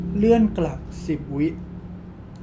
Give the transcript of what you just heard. เลื่อนกลับสิบวิ